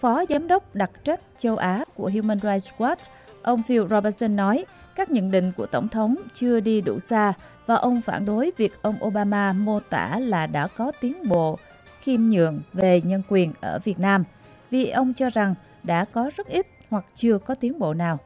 phó giám đốc đặc trách châu á của hiu mưn rai chơ goát ông phiu rô bơ sưn nói các nhận định của tổng thống chưa đi đủ xa và ông phản đối việc ông ô ba ma mô tả là đã có tiến bộ khiêm nhượng về nhân quyền ở việt nam vì ông cho rằng đã có rất ít hoặc chưa có tiến bộ nào